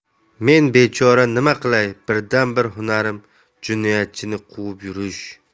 men bechora nima qilay birdan bir hunarim jinoyatchini quvib yurish